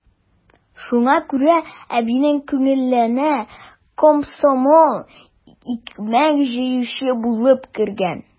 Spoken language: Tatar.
Шуңа күрә әбинең күңеленә комсомол икмәк җыючы булып кергән.